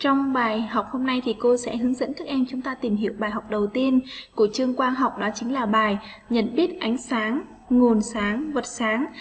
trong bài học hôm nay thì cô sẽ hướng dẫn các em chúng ta tìm hiểu bài học đầu tiên của chương quang học là chính là bài nhận biết ánh sáng nguồn sáng và vật sáng